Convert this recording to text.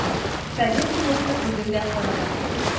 Совет киносы бүген дә карала